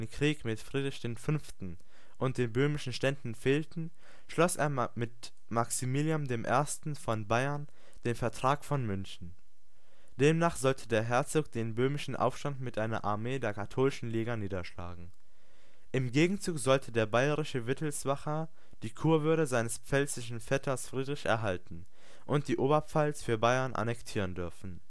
Krieg mit Friedrich V. und den böhmischen Ständen fehlten, schloss er mit Maximilian I. von Bayern den Vertrag von München. Demnach sollte der Herzog den böhmischen Aufstand mit einer Armee der Katholischen Liga niederschlagen. Im Gegenzug sollte der bayerische Wittelsbacher die Kurwürde seines pfälzischen Vetters Friedrich erhalten und die Oberpfalz für Bayern annektieren dürfen